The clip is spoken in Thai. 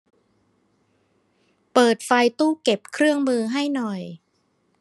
เปิดไฟตู้เก็บเครื่องมือให้หน่อย